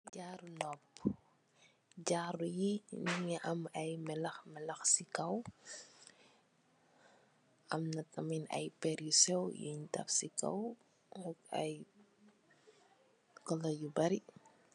Jaru nopu, jaru yii mingi am ay melex melex ci kow, am na tamit ay perr yu sew yuñ taf ci kow ak ay kola yu bari.